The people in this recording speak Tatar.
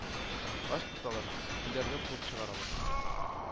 Ач тоталар, өйләреннән куып чыгаралар,